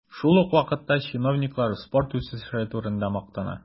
Шул ук вакытта чиновниклар спорт үсеше турында мактана.